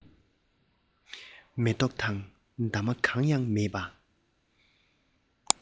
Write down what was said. མེ ཏོག དང འདབ མ གང ཡང མེད པ